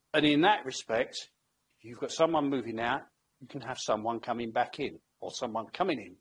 And in that respect, if you've got someone moving out, you can have someone coming back in, or someone coming in.